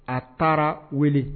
A taara wele